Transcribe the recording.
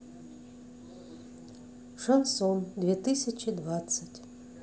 шансон две тысячи двадцать